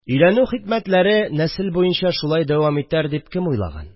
Өйләнү хикмәтләре нәсел буенча шулай давам итәр дип кем уйлаган